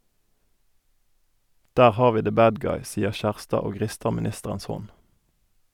- Der har vi the bad guy, sier Kjærstad og rister ministerens hånd.